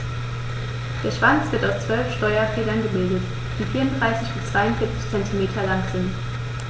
Der Schwanz wird aus 12 Steuerfedern gebildet, die 34 bis 42 cm lang sind.